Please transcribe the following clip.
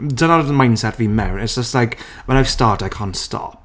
Dyna'r mindset fi mewn. It's just like, when I've started I can't stop.